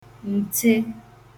ǹte